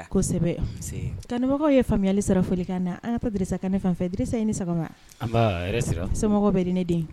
A ko sɛ tanmɔgɔ ye faamuyali sira folikan na an ka bisa ne fanfɛ bisa ye ni sɔgɔma semɔgɔ bɛ di ne den